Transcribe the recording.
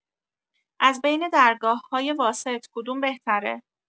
از بین درگاه‌های واسط کدوم بهتر؟